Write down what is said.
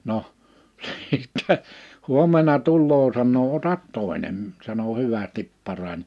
no sitten huomenna tulee sanoo ota toinen sanoi hyvästi parani